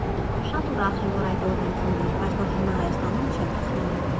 Շատ ուրախ եմ, որ այդ օրն եմ ծնվել, բայց որ հիմա Հայաստանում չեմ, տխրում եմ։